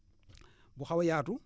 bu xaw a yaatu